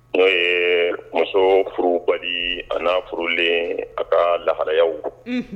N'o ye muso furubali an furulen a ka laharayaw